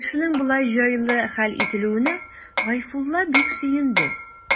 Эшнең болай җайлы хәл ителүенә Гайфулла бик сөенде.